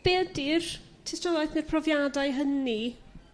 be ydi'r tystiolaeth ne'r profiadau hynny